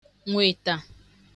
nwètà